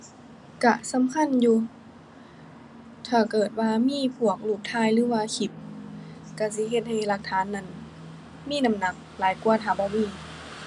ก็สำคัญอยู่ ถ้าเกิดว่ามีพวกรูปถ่ายหรือว่าคลิปก็สิเฮ็ดให้หลักฐานนั้นมีน้ำหนักหลายกว่าถ้าบ่มี